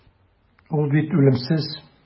Ул бит үлемсез.